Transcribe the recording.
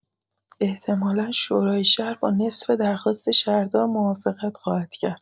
احتمالا شورای شهر با نصف درخواست شهردار موافقت خواهد کرد!